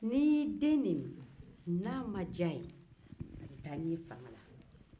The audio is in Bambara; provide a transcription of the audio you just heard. n'i y'i den nɛni n'a ma diya a ye a be taa n'i ye fanga